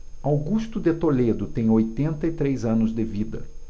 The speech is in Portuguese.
augusto de toledo tem oitenta e três anos de vida